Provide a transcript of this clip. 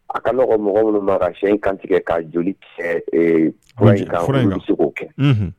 A ka nɔgɔn mɔgɔ minnu ma ka siyɛ in kantigɛ k'a joli k kɛ ee fura in kan i be se k'o kɛ unhun